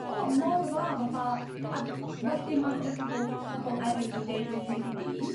O mor dda fatha a well dwi meddwl ydi bod pobol eryll yn deud yr un peth i fi.